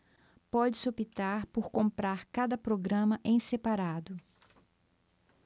pode-se optar por comprar cada programa em separado